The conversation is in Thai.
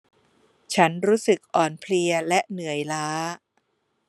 ฉันรู้สึกอ่อนเพลียและเหนื่อยล้า